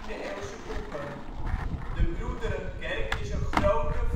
15e-17e-eeuwse boeken. De Broederenkerk is een grote